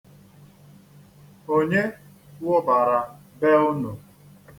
Onye wụbara be unu?